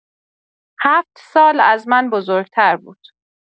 هفت سال از من بزرگتر بود.